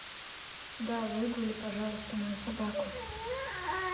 да выгули пожалуйста мою собаку